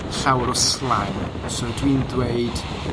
llawer o slang. So, dwi'n dweud